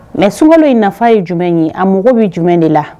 Mɛ sun in nafa ye jumɛn ye a mago bɛ jumɛn de la